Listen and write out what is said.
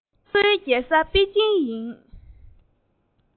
ཀྲུང གོའི རྒྱལ ས པེ ཅིང ཡིན